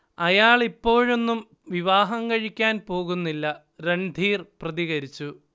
അയാളിപ്പോഴൊന്നും വിവാഹം കഴിക്കാൻ പോകുന്നില്ല- രൺധീർ പ്രതികരിച്ചു